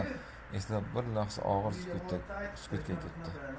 hodisalarni eslab bir lahza og'ir sukutga ketdi